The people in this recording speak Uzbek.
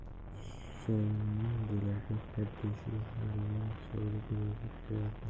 soyining bo'ylarida xuddi shu gurkurov soyidek gurkirab yurardi